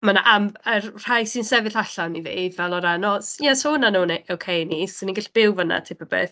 Mae 'na amb-... Yr rhai sy'n sefyll allan i fi, fel o ran os, "Ie sa hwnna'n o- n- ocê i ni, 'swn ni'n gallu byw fan'na" type o beth.